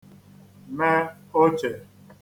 me ochè